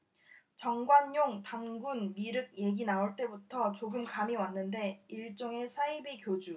정관용 단군 미륵 얘기 나올 때부터 조금 감이 왔는데 일종의 사이비교주